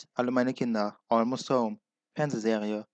Alle meine Kinder (Almost Home, Fernsehserie